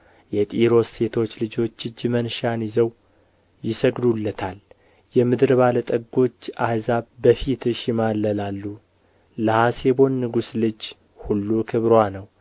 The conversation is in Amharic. የጢሮስ ሴቶች ልጆች እጅ መንሻን ይዘው ይሰግዱለታል የምድር ባለጠጎች አሕዛብ በፊትህ ይማለላሉ ለሐሴቦን ንጉሥ ልጅ ሁሉ ክብርዋ ነው